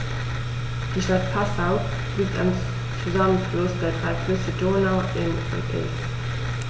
Die Stadt Passau liegt am Zusammenfluss der drei Flüsse Donau, Inn und Ilz.